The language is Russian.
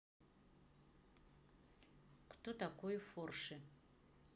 кто такой форши